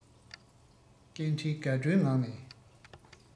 སྐད འཕྲིན དགའ སྤྲོའི ངང ནས